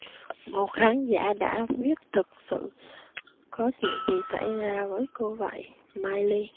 một khán giả đã viết thực sự có chuyện gì xảy ra với cô vậy miley